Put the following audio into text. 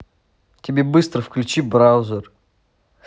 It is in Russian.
тебе быстро включи браузер